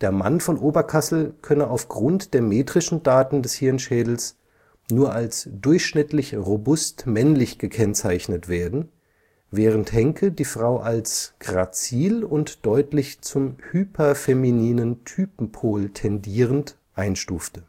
Mann von Oberkassel könne aufgrund der metrischen Daten des Hirnschädels „ nur als durchschnittlich robust-männlich gekennzeichnet “werden, während Henke die Frau „ als grazil und deutlich zum hyperfemininen Typenpol “tendierend einstufte